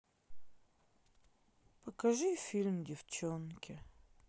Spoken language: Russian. покажи фильм девчонки